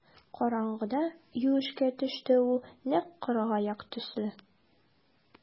Караңгыда юешкә төште ул нәкъ кыргаяк төсле.